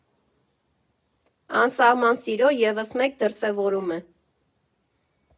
Անսահման սիրո ևս մեկ դրսևորում է։